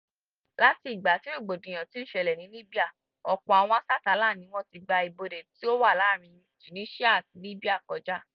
Láti ìgbà tí rògbòdìyàn ti ń ṣẹlẹ̀ ní Libya, ọ̀pọ̀ àwọn asásàálà ni wọ́n ti gba ibodè tí ó wà láàárín Tunisia àti Libya kọjá.